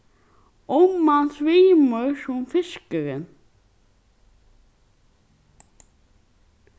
um mann svimur sum fiskurin